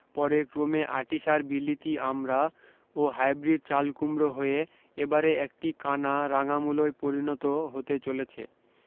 পরে ক্রমে আঁটিসার বিলিতি আমড়া ও হাইব্রীড চালকুমড়ো হয়ে এবারে একটি কানা রাঙামূলোয় পরিণত হতে চলেছে